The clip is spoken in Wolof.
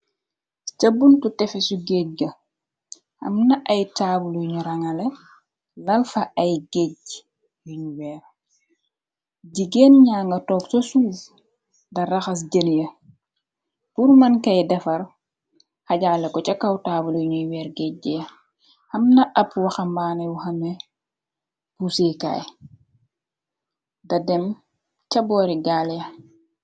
Cha buntu tefesu géej-ga amna ay taawaluyñu rangale lal fa ay géej yuñu weer jigeen ña nga toog ca suise da raxas jën ya bur mën kay defar xajaale ko ca kawtaawalu yuñuy weer géejja amna ab waxambaana wu xame busiikaay da dem ca boori gaalea.